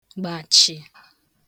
gbàchị̀